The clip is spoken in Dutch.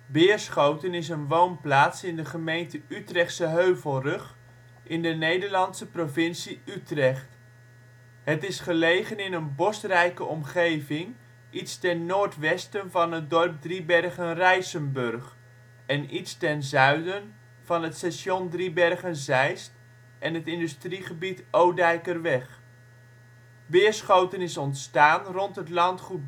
Beerschoten is een woonplaats in de gemeente Utrechtse Heuvelrug, in de Nederlandse provincie Utrecht. Het is gelegen in een bosrijke omgeving iets ten noordenwesten van het dorp Driebergen-Rijsenburg, en iets ten zuiden van het station Driebergen-Zeist en het industriegebied Odijkerweg. Beerschoten is ontstaan rond het landgoed